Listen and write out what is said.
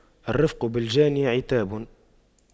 الرفق بالجاني عتاب